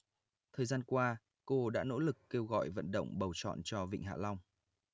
thời gian qua cô đã nỗ lực kêu gọi vận động bầu chọn cho vịnh hạ long